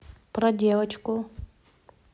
про девочку